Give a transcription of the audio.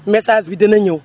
message bi dana ñëw